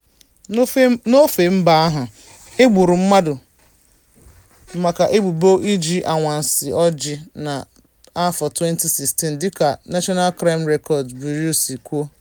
N'ofe mba ahụ, e gburu mmadụ 134 maka ebubo iji "anwansi ojii" na 2016, dịka National Crime Records Bureau si kwuo.